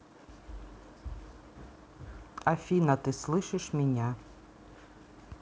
афина ты слышишь меня